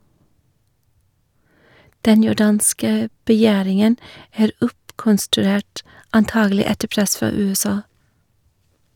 Den jordanske begjæringen er oppkonstruert, antagelig etter press fra USA.